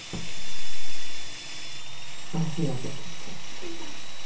афина тупица